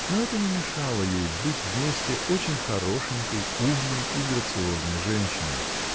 но это не мешало ей быть вместе очень хорошенькой умной и грациозной женщиной.